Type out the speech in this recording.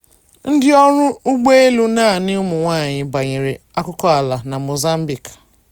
Ndịọrụ ụgbọelu naanị ụmụnwaanyị banyere akụkọala na Mozambique